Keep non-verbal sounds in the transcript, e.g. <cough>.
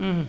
<hesitation> <hesitation>